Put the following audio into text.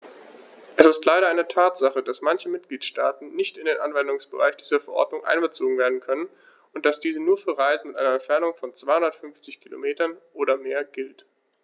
Es ist leider eine Tatsache, dass manche Mitgliedstaaten nicht in den Anwendungsbereich dieser Verordnung einbezogen werden können und dass diese nur für Reisen mit einer Entfernung von 250 km oder mehr gilt.